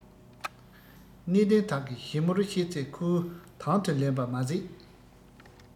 གནས བརྟན དག གིས ཞིབ མོར བཤད ཚེ ཁོས དང དུ ལེན པ མ ཟད